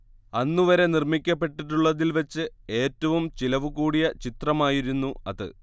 അന്നുവരെ നിർമ്മിക്കപ്പെട്ടിട്ടുള്ളതിൽവച്ച് ഏറ്റവും ചെലവുകൂടിയ ചിത്രമായിരുന്നു അത്